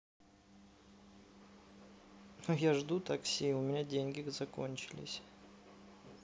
ну я жду такси у меня деньги закончились